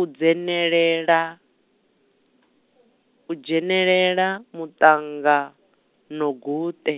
udzhenelela, udzhenelela muṱanganoguṱe.